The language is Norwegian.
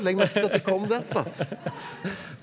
legg merke til at det kom derfra!